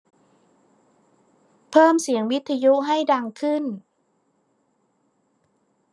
เพิ่มเสียงวิทยุให้ดังขึ้น